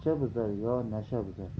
buzar yo nasha buzar